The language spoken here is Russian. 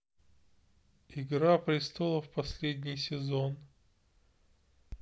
игра престолов последний сезон